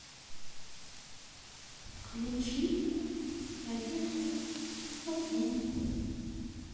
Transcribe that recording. включить розетку один